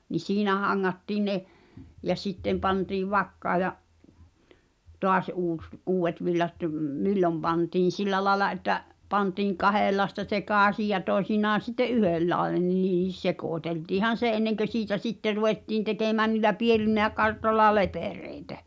niin siinä hangattiin ne ja sitten pantiin vakkaan ja taas uusi uudet villat - milloin pantiin sillä lailla että pantiin kahdenlaista sekaisin ja toisinaan sitten yhdenlainen niin sekoiteltiinhan se ennen kuin siitä sitten ruvettiin tekemään niillä pienillä kartoilla lepereitä